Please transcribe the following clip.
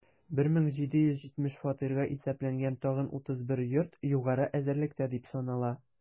1770 фатирга исәпләнгән тагын 31 йорт югары әзерлектә дип санала.